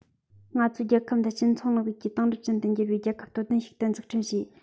ང ཚོའི རྒྱལ ཁབ འདི སྤྱི ཚོགས རིང ལུགས ཀྱི དེང རབས ཅན དུ འགྱུར བའི རྒྱལ ཁབ སྟོབས ལྡན ཞིག ཏུ འཛུགས སྐྲུན བྱས